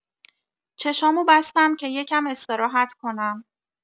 چشامو بستم که یکم استراحت کنم.